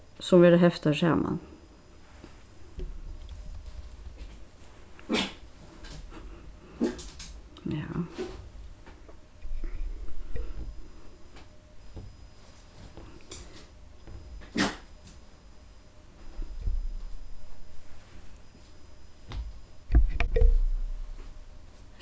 sum verða heftar saman ja